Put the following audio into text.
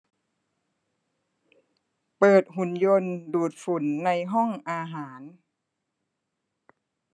เปิดหุ่นยนต์ดูดฝุ่นในห้องอาหาร